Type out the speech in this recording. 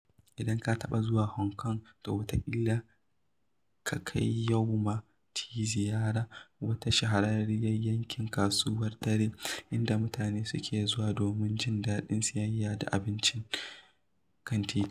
Idan ka taɓa zuwa Hong Kong, to wataƙila ka kai Yau Ma Tei ziyara, wata shahararren yankin kasuwar dare inda mutane suke zuwa domin jin daɗin siyayya da abinci kan titin.